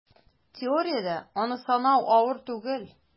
Теориядә аны санау авыр түгел: